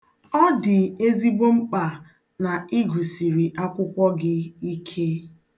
Ọ dị ezigbo mkpa na ịgụsiri akwụkwọ gị ike.